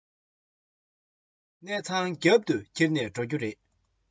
གནས ཚང རྒྱབ ཏུ ཁྱེར ནས འགྲོ རྒྱུ རེད